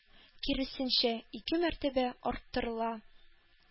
Киресенчә, ике мәртәбә арттырыла.